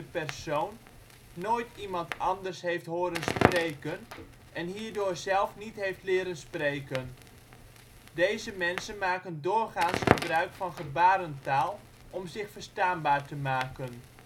persoon nooit iemand anders heeft horen spreken en hierdoor zelf niet heeft leren spreken. Deze mensen maken doorgaans gebruik van gebarentaal om zich verstaanbaar te maken